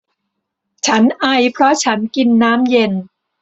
ฉันไอเพราะฉันกินน้ำเย็น